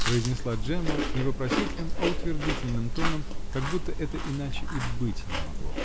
-- произнесла Джемма не вопросительным, а утвердительным тоном, как будто это иначе и быть не могло. --